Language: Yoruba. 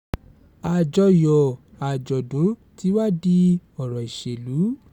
Àjọyọ̀ àjọ̀dún ti wá di ọ̀rọ̀ ìṣèlú.